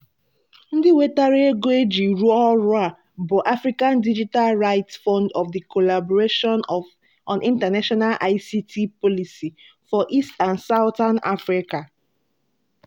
Ndị wetara ego e ji rụọ ọrụ a bụ Africa Digital Rights Fund of The Collaboration on International ICT Policy for East and Southern Africa.